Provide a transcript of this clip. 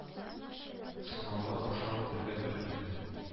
Сынаулар аша үтәргә туры килде